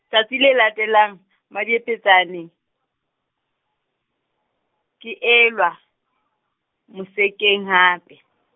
tsatsi le latelang , Mmadiepetsane, ke elwa , mosekeng hape .